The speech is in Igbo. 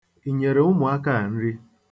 I nyere ụmụaka a nri?